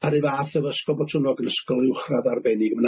a ry' fath efo Ysgol Botwnog yn ysgol uwchradd arbennig ma'